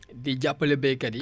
di jàppale béykat yi